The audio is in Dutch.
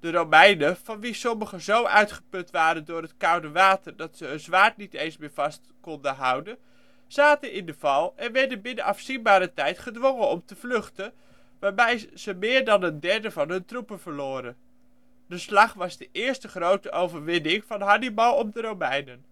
Romeinen, van wie sommigen zo uitgeput waren door het koude water dat ze hun zwaard niet eens meer vast konden houden, zaten in de val en werden binnen afzienbare tijd gedwongen om te vluchten, waarbij ze meer dan een derde van hun troepen verloren. De slag was de eerste grote overwinning van Hannibal op de Romeinen